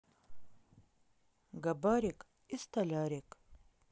габарик и столярик